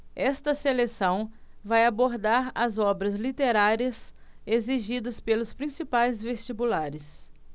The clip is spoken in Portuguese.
esta seção vai abordar as obras literárias exigidas pelos principais vestibulares